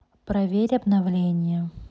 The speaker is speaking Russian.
проверь обновления